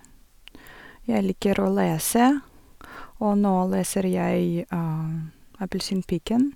Jeg liker å lese, og nå leser jeg Appelsinpiken.